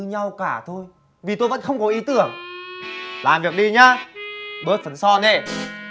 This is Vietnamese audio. như nhau cả thôi vì tôi vẫn không có ý tưởng làm việc đi nhớ bớt phần son đi